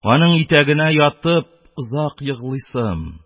Аның итәгенә ятып, озак еглыйсым,